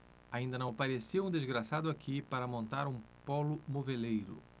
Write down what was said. ainda não apareceu um desgraçado aqui para montar um pólo moveleiro